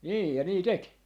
niin ja niin teki